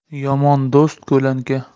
yomon do'st ko'lanka